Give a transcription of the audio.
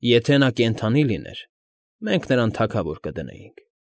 Եթե նա կենդանի լիներ, մենք նրան թագավոր կդնեինք։